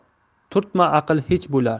turtma aql hech bo'lar